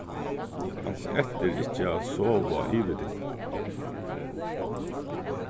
ansið eftir ikki at sova yvir tykkum